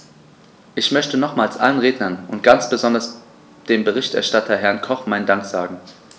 Ich möchte nochmals allen Rednern und ganz besonders dem Berichterstatter, Herrn Koch, meinen Dank sagen.